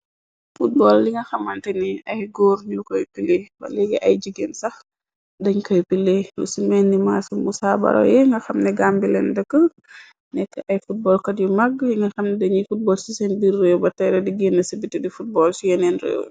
Footbol li nga xamante ni ay góor ñu koy pilee, ba leege ay jigeen sax dañ koy pilee, lu ci melni maasu Musa Baro yi nga xamne Gambi leen dëkk, nekk ay footbolkat yu mag, yi nga xamne dañiy footbol ci seen bir réew ba teyra di génne ci biti di footbol ci yeneen réew.